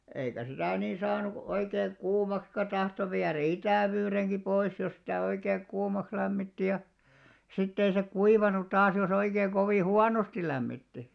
eikä sitä niin saanut oikein kuumaksikaan tahtoi viedä itävyydenkin pois jos sitä oikein kuumaksi lämmitti ja sitten ei se kuivanut taas jos oikein kovin huonosti lämmitti